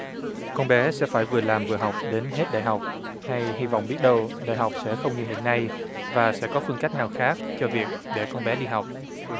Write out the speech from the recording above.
con bé sẽ phải vừa làm vừa học đến hết đại học hay hy vọng biết đâu đại học sẽ không như hiện nay và sẽ có phương cách nào khác cho việc để con bé đi học